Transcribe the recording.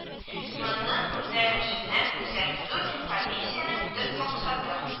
Моның үтәлешеннән күзәтү - комиссиянең төп максаты